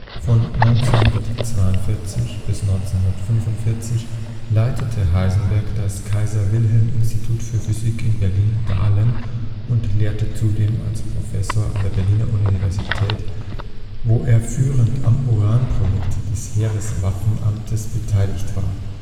Von 1942 bis 1945 leitete Heisenberg das Kaiser-Wilhelm-Institut für Physik in Berlin-Dahlem und lehrte zudem als Professor an der Berliner Universität, wo er führend am Uranprojekt des Heereswaffenamtes beteiligt war